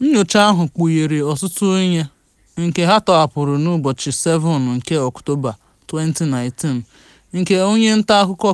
Nnyocha ahụ kpụghere ọtụtụ ihe, nke a tọhapụrụ n'ụbọchị 7 nke Ọktoba, 2019, nke onye ntaakụkọ